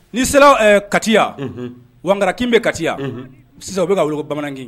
N'i sera w ɛɛ Kati yan unhun Wangara m be Kati yan unhun sisan u be k'a weele ko bamanan kin